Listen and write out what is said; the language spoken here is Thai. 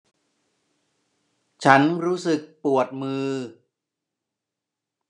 ฉันรู้สึกปวดมือ